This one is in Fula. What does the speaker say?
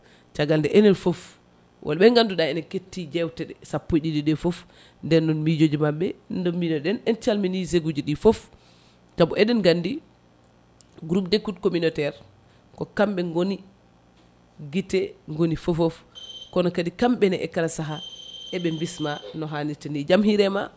caggal nde enen foof holɓe ganduɗa ene ketti jewteɗe sappo e ɗiɗi ɗe foof nden noon mijoji mabɓe no mbinoɗen en calmini G uji ɗi foof saabu eɗen gandi groupe d' écoute communautaire ko kamɓe gooni guite gooni fofoof kono kadi kamɓene e kala saaha eɓe bisma no hannirta ni jam hiirema